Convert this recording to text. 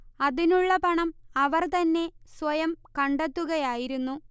അതിനുള്ള പണം അവർ തന്നെ സ്വയം കണ്ടെത്തുകയായിരുന്നു